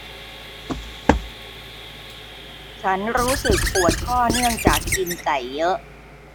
ฉันรู้สึกปวดข้อเนื่องจากกินไก่เยอะ